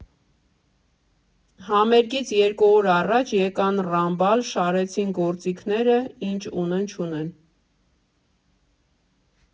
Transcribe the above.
Համերգից երկու օր առաջ եկան Ռամբալ, շարեցին գործիքները՝ ինչ ունեն֊չունեն։